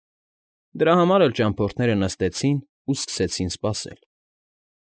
Դրա համար էլ ճամփորդները նստեցին ու սկսեցին սպասել։